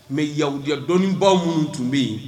Mɛ yawudiya dɔnnii baw minnu tun bɛ yen